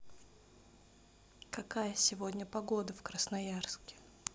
какая сегодня погода в красноярске